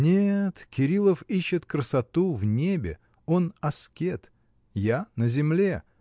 Нет, Кирилов ищет красоту в небе, он аскет: я — на земле.